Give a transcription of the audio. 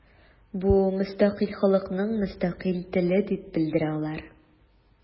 Бу – мөстәкыйль халыкның мөстәкыйль теле дип белдерә алар.